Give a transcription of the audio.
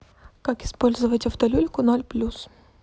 как использовать автолюльку ноль плюс